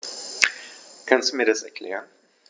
Kannst du mir das erklären?